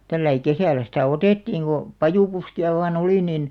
tällä lailla kesällä sitä otettiin kun pajupuskia vain oli niin